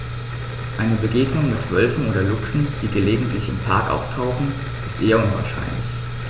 Eine Begegnung mit Wölfen oder Luchsen, die gelegentlich im Park auftauchen, ist eher unwahrscheinlich.